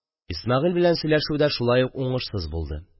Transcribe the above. Исмәгыйль белән сөйләшү дә шулай ук уңышсыз булды.